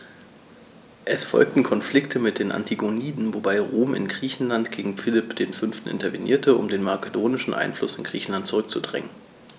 Es folgten Konflikte mit den Antigoniden, wobei Rom in Griechenland gegen Philipp V. intervenierte, um den makedonischen Einfluss in Griechenland zurückzudrängen.